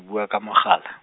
bua ka mogala.